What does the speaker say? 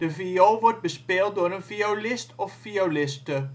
viool wordt bespeeld door een violist (e